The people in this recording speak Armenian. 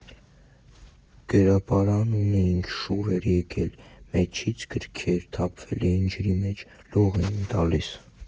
Գրապահարան ունեինք, շուռ էր եկել, մեջից գրքերը թափվել էին ջրի մեջ, լող էին տալիս։